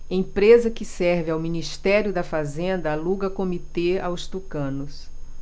empresa que serve ao ministério da fazenda aluga comitê aos tucanos